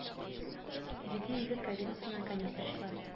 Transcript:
Диде егет кабинасыннан канистр чыгарып